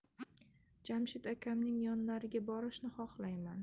jamshid akamning yonlariga borishni xohlayman